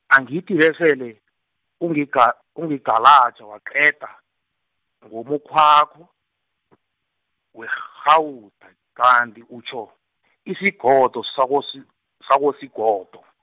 angithi besele , ungiga- ungigalaja, waqeda, ngomukhwakho , werhawuda, kanti utjho, isigodo sakosi-, sakosigodo.